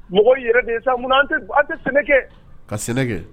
Mɔgɔ yɛrɛ nin sa tɛ an tɛ sɛnɛ kɛ ka sɛnɛ